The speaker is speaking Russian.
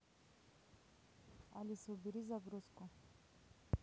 алиса убери загрузку